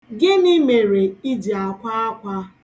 Gịnị mere i ji akwa akwa?